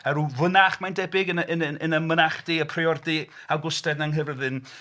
A ryw fynach mae'n debyg yn y... yn y... yn y mynachdy, y priordy Awgwstaidd 'na'n Nghaerfyrddin.